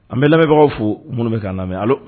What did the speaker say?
An bɛ lamɛnbagaw fo minnu bɛ'a lamɛnmi ale